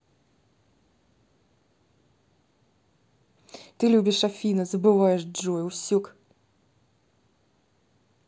ты любишь афина забываешь джой усек